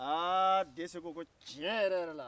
aa dɛsɛ ko ko ciɲɛ yɛrɛ yɛrɛ la